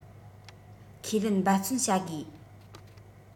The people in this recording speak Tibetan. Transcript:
ཁས ལེན འབད བརྩོན བྱ དགོས